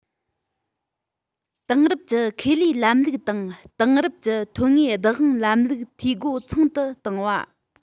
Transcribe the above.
དེང རབས ཀྱི ཁེ ལས ལམ ལུགས དང དེང རབས ཀྱི ཐོན དངོས བདག དབང ལམ ལུགས འཐུས སྒོ ཚང དུ བཏང བ